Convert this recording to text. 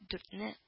Дүртне